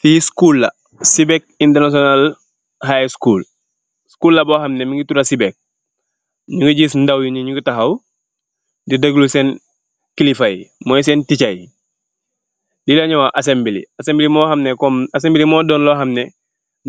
Lee School la Sebec International High school , school la bu hamne muge tuda sebec nuge giss daww ye nuge tahaw de deglo sen kelifa yee moye sen teacher yee lee lanu wah accemble , accemble mu hamne kom accemble mu done lu hamne